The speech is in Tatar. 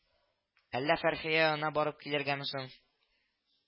Әллә Фәрхия янына барып килергәме соң